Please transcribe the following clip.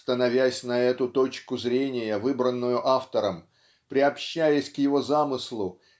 становясь на эту точку зрения выбранную автором приобщаясь к его замыслу